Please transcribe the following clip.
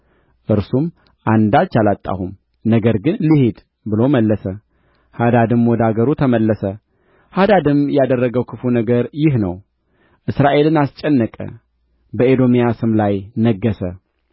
እርሱም አንዳች አላጣሁም ነገር ግን ልሂድ ብሎ መለሰ ሃዳድም ወደ አገሩ ተመለሰ ሃዳድም ያደረገው ክፉ ነገር ይህ ነው እስራኤልን አስጨነቀ በኤዶምያስም ላይ ነገሠ